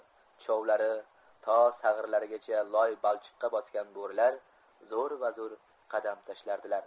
chovlari to sag'irlarigacha loy balchiqqa botgan bo'rilar zo'r bazo'r qadam tashlardilar